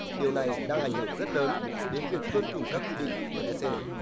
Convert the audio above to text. điều này đang ảnh hưởng rất lớn đến việc tuân thủ các quy định của e xê